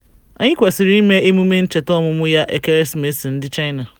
Anyị kwesịrị ime emume ncheta ọmụmụ ya ekeresimesi ndị China.